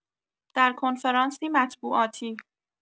در کنفرانسی مطبوعاتی